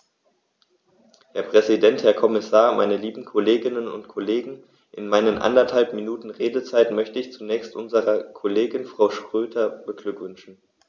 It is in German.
Herr Präsident, Herr Kommissar, meine lieben Kolleginnen und Kollegen, in meinen anderthalb Minuten Redezeit möchte ich zunächst unsere Kollegin Frau Schroedter beglückwünschen.